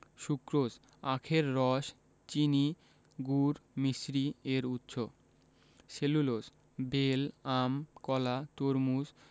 sucrose আখের রস চিনি গুড় মিছরি এর উৎস সেলুলোজ বেল আম কলা তরমুজ